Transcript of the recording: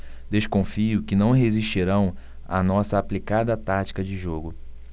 desconfio que não resistirão à nossa aplicada tática de jogo